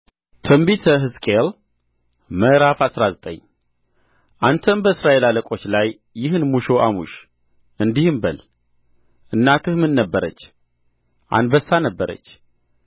ትንቢተ ሕዝቅኤል ምዕራፍ አስራ ዘጠኝ አንተም በእስራኤል አለቆች ላይ ይህን ሙሾ አሙሽ እንዲህም በል እናትህ ምን ነበረች አንበሳ ነበረች